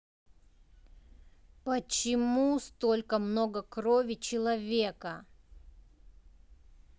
почему столько много крови человека